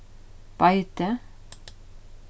beitið